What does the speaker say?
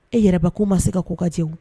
E yɛrɛbakun ma se ka ko ka jɛ o